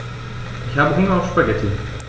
Ich habe Hunger auf Spaghetti.